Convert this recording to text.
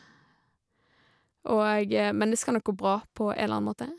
og Men det skal nok gå bra på en eller annen måte.